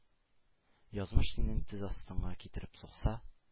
“язмыш синең тез астыңа китереп сукса,